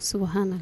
Sogo huna